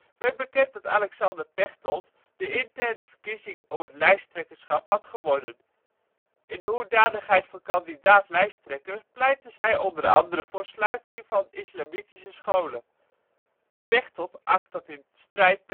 werd bekend dat Alexander Pechtold de interne verkiezing om het lijsttrekkerschap had gewonnen. In de hoedanigheid als kandidaat-lijsttrekker pleitte zij onder andere voor sluiting van islamitische scholen. Pechtold acht dat in strijd